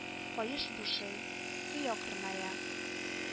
– каеш бушый, көй акрыная